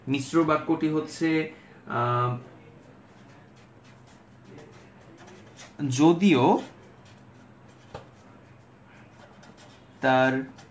মিশ্র বাক্য টি হচ্ছে যদিও তার